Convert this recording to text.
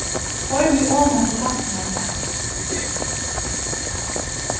koyr meg oman til hafnia takk